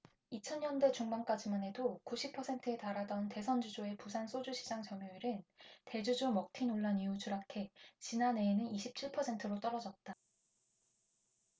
이천 년대 중반까지만 해도 구십 퍼센트에 달하던 대선주조의 부산 소주시장 점유율은 대주주 먹튀 논란 이후 추락해 지난해에는 이십 칠 퍼센트로 떨어졌다